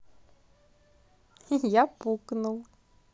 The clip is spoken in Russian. я пукнул